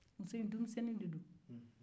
muso in ye denmisɛnnin ye